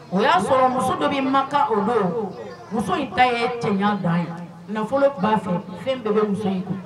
O y'a sɔrɔ muso dɔ bɛ man kan o don muso in ta ye cɛ da ye nafolo' fɛ fɛn bɛɛ bɛ muso ye